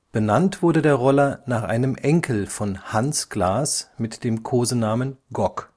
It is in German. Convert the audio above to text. Benannt wurde der Roller nach einem Enkel von Hans Glas mit dem Kosenamen „ Gogg